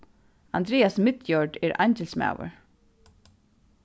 andrias midjord er eingilskmaður